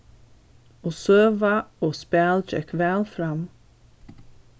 og søga og spæl gekk væl fram